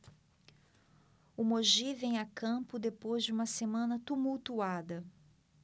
o mogi vem a campo depois de uma semana tumultuada